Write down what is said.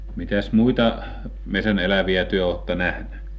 mitäs muita metsän eläviä te olette nähnyt